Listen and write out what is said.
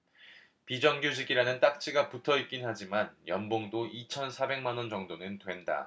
비정규직이라는 딱지가 붙어 있긴 하지만 연봉도 이천 사백 만원 정도는 된다